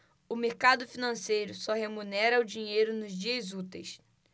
o mercado financeiro só remunera o dinheiro nos dias úteis